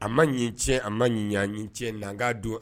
A ma ɲi tiɲɛ a ma ɲi ni cɛ n don